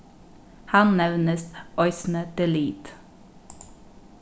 hann nevnist eisini delete